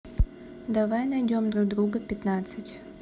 давай найдем друг друга пятнадцать